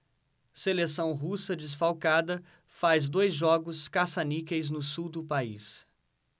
seleção russa desfalcada faz dois jogos caça-níqueis no sul do país